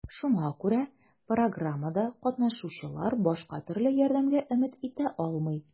Шуңа күрә программада катнашучылар башка төрле ярдәмгә өмет итә алмый.